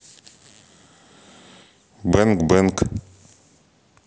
бэнг бэнг